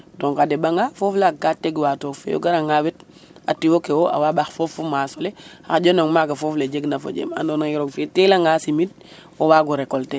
Donc a ɗeɓangaa foof laaga ka tegwa took fe o garangaa wet a tiwo ke wo' a wa ɓax foof fo maasul e a xaƴanong maaga foof le jegna fo jem andoon yee roog fe telanga simid o waag o recolté'.